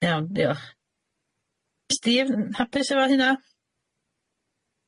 Iawn diolch. Steve'n hapus efo hynna?